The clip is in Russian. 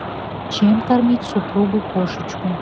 чем кормить супругу кошечку